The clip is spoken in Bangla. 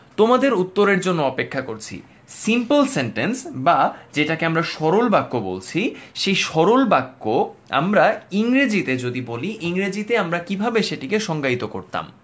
তোমাদের উত্তরের জন্য অপেক্ষা করছি সিম্পল সেন্টেন্স বা যেটাকে আমরা সরল বাক্য বলছি সেই সরল বাক্য আমরা ইংরেজিতে বলছি ইংরেজিতে আমরা কিভাবে সেটিকে সংজ্ঞায়িত করতাম